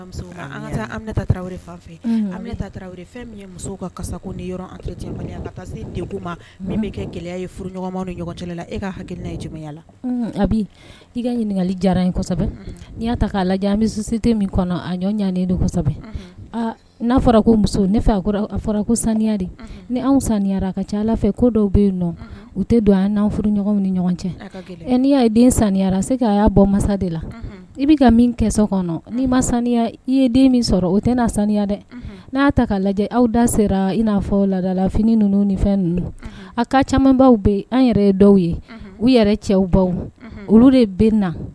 Li n'a n'a saniya sani ka ala fɛ ko dɔw bɛ yen an ni ɲɔgɔn cɛ n'ia den saniya se y'a bɔ masa de la i bɛ min kɛ ni maya i ye den min sɔrɔ o tɛna n saniya dɛ n' lajɛ aw da sera i n'a fɔ lala fini ninnu ni fɛn ninnu ka caman bɛ an yɛrɛ dɔw ye cɛw baw olu de bɛ na